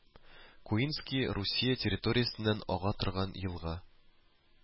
Куйнский Русия территориясеннән ага торган елга